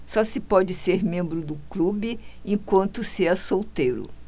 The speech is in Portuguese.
só se pode ser membro do clube enquanto se é solteiro